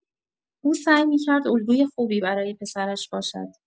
او سعی می‌کرد الگوی خوبی برای پسرش باشد.